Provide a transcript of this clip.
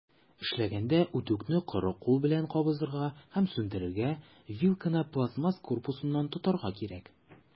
Эшләгәндә, үтүкне коры кул белән кабызырга һәм сүндерергә, вилканы пластмасс корпусыннан тотарга кирәк.